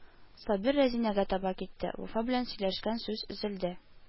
Сабир Разингә таба китте, Вафа белән сөйләшкән сүз өзелде